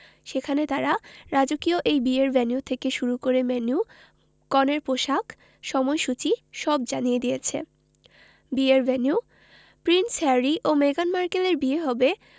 সেখানে তারা রাজকীয় এই বিয়ের ভেন্যু থেকে শুরু করে মেন্যু কনের পোশাক সময়সূচী সব জানিয়ে দিয়েছে বিয়ের ভেন্যু প্রিন্স হ্যারি ও মেগান মার্কেলের বিয়ে হবে